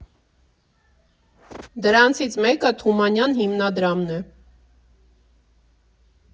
Դրանցից մեկը Թումանյան հիմնադրամն է։